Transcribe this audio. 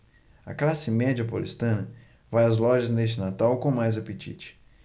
a classe média paulistana vai às lojas neste natal com mais apetite